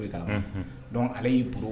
Ala y'i bolo